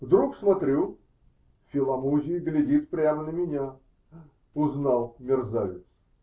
"-- Вдруг, -- смотрю -- Филомузи глядит прямо на меня. Узнал, мерзавец!